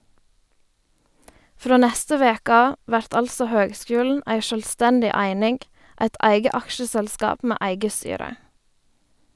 Frå neste veke av vert altså høgskulen ei sjølvstendig eining, eit eige aksjeselskap med eige styre.